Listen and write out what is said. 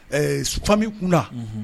Ɛɛ souvent famille unhun